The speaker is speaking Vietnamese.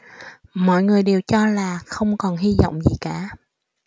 mọi người đều cho là không còn hy vọng gì cả